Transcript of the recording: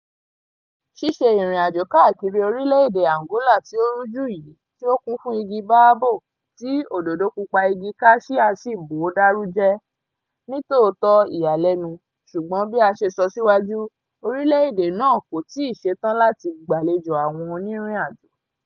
Ṣíṣe ìrìn àjò káàkiri orílẹ̀ èdè Angola tí ó rújú yìí tí ó kún fún igi báábò tí òdòdó pupa igi kasíà sí bòó dáru jẹ́, ní tòótọ́, ìyàlẹ́nu, ṣùgbọ́n bí a ṣe sọ síwájú, orílẹ̀ èdè náà kò tíì ṣe tán láti gbàlejò àwọn onírin àjò.